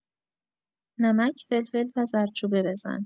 نمک، فلفل و زردچوبه بزن.